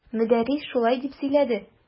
Мөдәррис шулай дип сөйләнде.